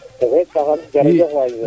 i jerejef waay